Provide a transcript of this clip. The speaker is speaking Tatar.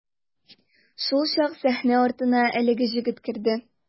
Шулчак сәхнә артына әлеге җегет керде.